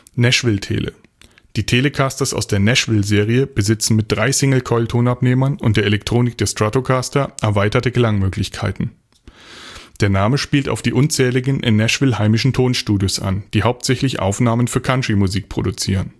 Nashville Tele – Die Telecasters aus der „ Nashville “- Serie besitzen mit drei Singlecoil-Tonabnehmern und der Elektronik der Stratocaster erweiterte Klangmöglichkeiten. Der Name spielt auf die unzähligen in Nashville heimischen Tonstudios an, die hauptsächlich Aufnahmen für Countrymusik produzieren